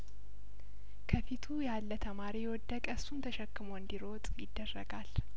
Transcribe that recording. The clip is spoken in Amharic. ከፊቱ ያለተማሪ የወደቀ እሱን ተሸክሞ እንዲሮጥ ይደረጋል